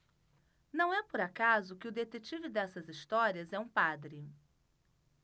não é por acaso que o detetive dessas histórias é um padre